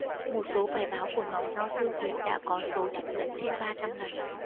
một số bài báo của nhóm giáo sư việt đã có số trích dẫn trên ba trăm lần